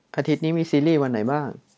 อาทิตย์นี้มีซีรีย์วันไหนบ้าง